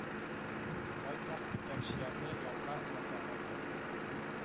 Байтак итәкчеләрне ялга озата алды